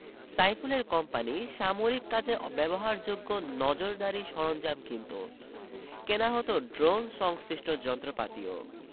সাইফুলের কোম্পানি সামরিক কাজে ব্যবহারযোগ্য নজরদারি সরঞ্জাম কিনত কেনা হতো ড্রোন সংশ্লিষ্ট যন্ত্রপাতিও